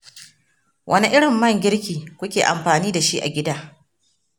wane irin man girki kuke amfani da shi a gida?